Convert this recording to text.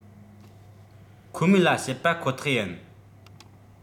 ཁོ མོས ལ བཤད པ ཁོ ཐག ཡིན